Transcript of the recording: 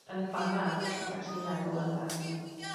yn fana dych chi'n gallu meddwl amdanyn nw?